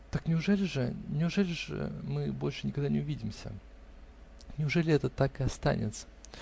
-- Так неужели же, неужели мы больше никогда не увидимся?. Неужели это так и останется?